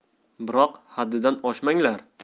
biroq haddidan oshmaganlar